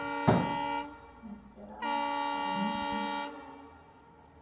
мастера порнухи